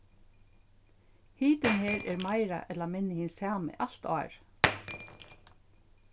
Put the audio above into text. hitin her er meira ella minni hin sami alt árið